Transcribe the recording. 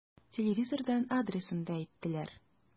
Телевизордан адресын да әйттеләр.